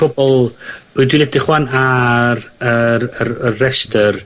bobol, wel dwi'n edrych 'wan ar yr yr y restyr